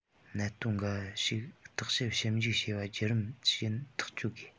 གནད དོན འགའ ཞིག བརྟག དཔྱད ཞིབ འཇུག བྱས པ བརྒྱུད རིམ བཞིན ཐག གཅོད དགོས